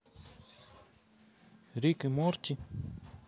рик и морти